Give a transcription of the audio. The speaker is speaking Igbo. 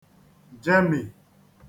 jemì